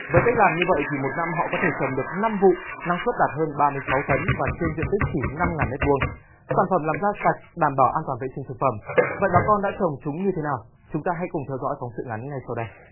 với cách làm như vậy thì một năm họ có thể trồng được năm vụ năng suất đạt hơn ba mươi sáu tấn và trên diện tích chỉ năm ngàn mét vuông sản phẩm làm ra sạch đảm bảo an toàn vệ sinh thực phẩm vậy bà con đã trồng chúng như thế nào chúng ta hãy cùng theo dõi phóng sự ngắn ngay sau đây